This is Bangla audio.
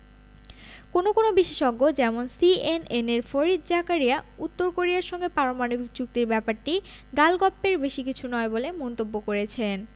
কোনো কোনো বিশেষজ্ঞ যেমন সিএনএনের ফরিদ জাকারিয়া উত্তর কোরিয়ার সঙ্গে পারমাণবিক চুক্তির ব্যাপারটি গালগপ্পের বেশি কিছু নয় বলে মন্তব্য করেছেন